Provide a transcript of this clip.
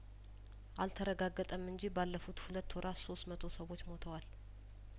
አል ተረጋገጠም እንጂ ባለፉት ሁለት ወራት ሶስት መቶ ሰዎች ሞተዋል